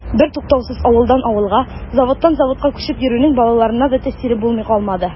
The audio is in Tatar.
Бертуктаусыз авылдан авылга, заводтан заводка күчеп йөрүнең балаларына да тәэсире булмый калмады.